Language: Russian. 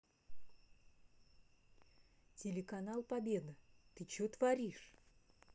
телеканал победа ты че творишь